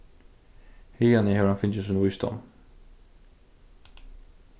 haðani hevur hann fingið sín vísdóm